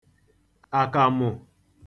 àkàmụ̀